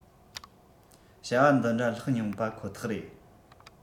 བྱ བ འདི འདྲ ལྷག མྱོང པ ཁོ ཐག རེད